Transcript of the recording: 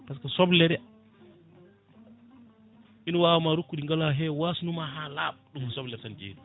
par ce: fra que soblere ina wawma rokkude ngaalu ha heewa wasnuma ha laaɓa ɗum soblere tan jeeyi ɗum